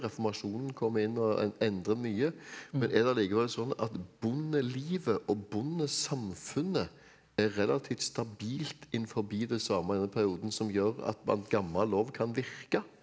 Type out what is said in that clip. reformasjonen kom inn og endrer mye, men er det likevel sånn at bondelivet og bondesamfunnet er relativt stabilt inn forbi det samme i denne perioden som gjør at gammel lov kan virke?